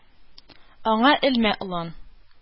- аңа элмә, олан.